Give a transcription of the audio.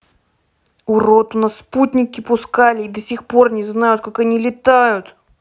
урод у нас спутники пускали и до сих пор не знают как они летают